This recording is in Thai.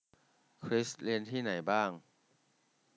คริสเรียนที่ไหนบ้าง